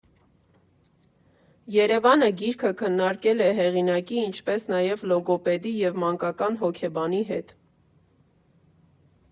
ԵՐԵՎԱՆը գիրքը քննարկել է հեղինակի, ինչպես նաև լոգոպեդի և մանկական հոգեբանի հետ։